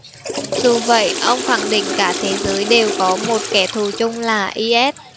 dù vậy ông khẳng định cả thế giới đều có một kẻ thù chung là i s